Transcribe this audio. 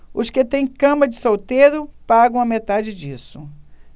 os que têm cama de solteiro pagam a metade disso